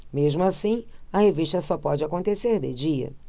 mesmo assim a revista só pode acontecer de dia